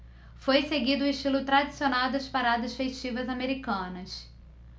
foi seguido o estilo tradicional das paradas festivas americanas